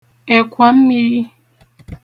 ẹ̀kwà mmīrī